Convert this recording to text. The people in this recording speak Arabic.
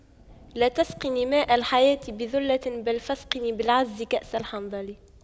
لا تسقني ماء الحياة بذلة بل فاسقني بالعز كأس الحنظل